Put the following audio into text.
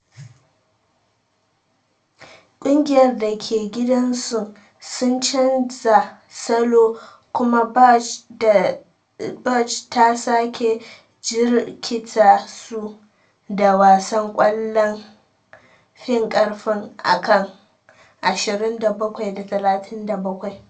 Ƙungiyar da ke gidasun sun canza salo kuma Buchard ta sake jirkita su da wasan kwallon fin karfi akan 27:37.